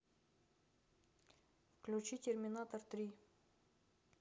включи терминатор три